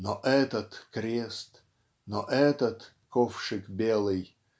Но этот крест, но этот ковшик белый.